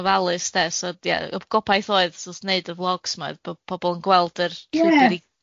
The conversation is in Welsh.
ofalus de so ia y gobaith oedd th neud y flogs ma o'dd bo- bobol yn gweld yr